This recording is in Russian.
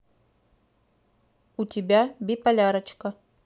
у тебя биполярочка